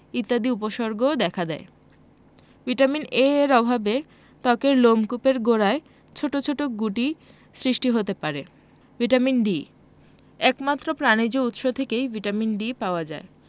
ইত্যাদি উপসর্গও দেখা দেয় ভিটামিন A এর অভাবে ত্বকের লোমকূপের গোড়ায় ছোট ছোট গুটির সৃষ্টি হতে পারে ভিটামিন D একমাত্র প্রাণিজ উৎস থেকেই ভিটামিন D পাওয়া যায়